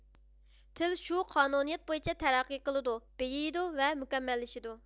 تىل شۇ قانۇنىيەت بويىچە تەرەققىي قىلىدۇ بېيىيدۇ ۋە مۇكەممەللىشىدۇ